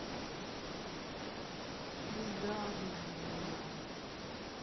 бездарная меня